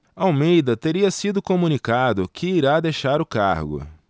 almeida teria sido comunicado que irá deixar o cargo